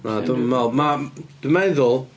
Na, dwi'm yn meddwl ma... dwi meddwl...